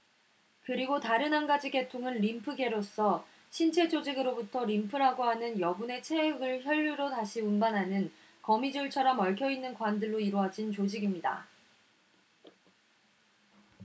그리고 다른 한 가지 계통은 림프계로서 신체 조직으로부터 림프라고 하는 여분의 체액을 혈류로 다시 운반하는 거미줄처럼 얽혀 있는 관들로 이루어진 조직입니다